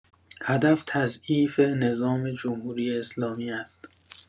هدف تضعیف نظام جمهوری‌اسلامی است.